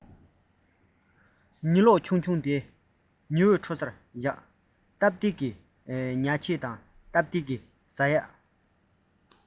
ཉི གློག ཆུང ཆུང དེ ཉི འོད འཕྲོ སར བཞག སྟབས བདེའི མལ ཆས སྟབས བདེའི བཟའ བཅའ